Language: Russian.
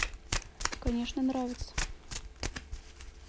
конечно нравится